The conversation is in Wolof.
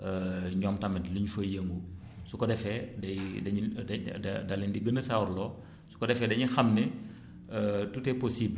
ñoom tamit li ñu fa yëngu su ko defee day dañuy da da da leen di gën a sawarloo su ko defee dañuy xam ne tout est possible